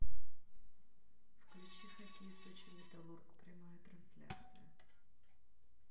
включи хоккей сочи металлург прямая трансляция